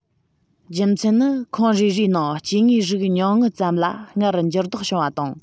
རྒྱུ མཚན ནི ཁོངས རེ རེའི ནང སྐྱེ དངོས རིགས ཉུང ངུ ཙམ ལ སྔར འགྱུར ལྡོག བྱུང བ དང